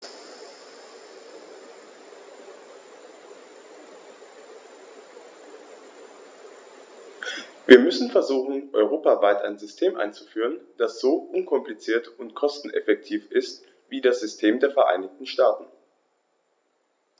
Wir müssen versuchen, europaweit ein System einzuführen, das so unkompliziert und kosteneffektiv ist wie das System der Vereinigten Staaten.